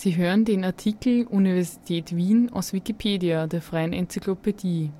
hören den Artikel Universität Wien, aus Wikipedia, der freien Enzyklopädie